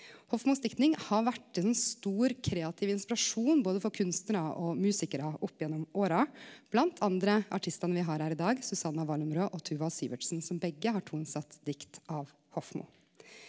Hofmos dikting har vore ein sånn stor kreativ inspirasjon både for kunstnarar og musikarar opp gjennom åra, blant andre artistane vi har her i dag Susanna Wallumrød og Tuva Syvertsen som begge har tonesett dikt av Hofmo.